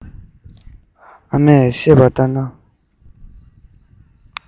ང ཚོ སྤུན མཆེད གསུམ པོ